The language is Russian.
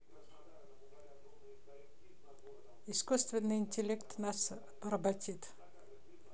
искусственный интеллект нас поработит